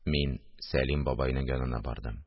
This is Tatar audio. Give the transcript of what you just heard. Мин Сәлим бабайның янына бардым